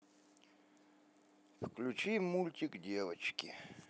включи мультик девочки